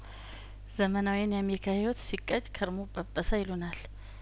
ዘመናዊውን የአሜሪካ ሂዎት ሲቀጭ ከርሞ ጰጰሰ ይሉናል